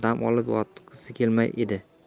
ham dam olib yotgisi kelmas edi